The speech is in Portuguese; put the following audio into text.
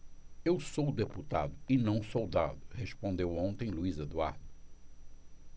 eu sou deputado e não soldado respondeu ontem luís eduardo